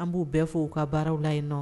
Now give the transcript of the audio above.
An b'u bɛɛ fo' u ka baaraw la yen nɔ